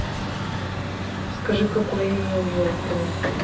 скажи какое имя у желтого